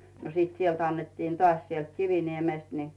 no sitten sieltä annettiin taas sieltä Kiviniemestä niin